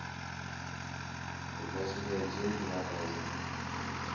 возьми один два раза